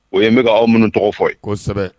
O ye bɛka ka aw minnu tɔgɔ fɔ yen kosɛbɛ